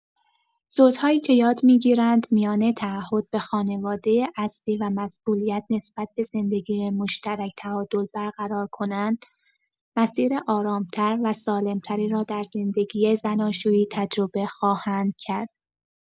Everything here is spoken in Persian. زوج‌هایی که یاد می‌گیرند میان تعهد به خانواده اصلی و مسئولیت نسبت به زندگی مشترک تعادل برقرار کنند، مسیر آرام‌تر و سالم‌تری را در زندگی زناشویی تجربه خواهند کرد.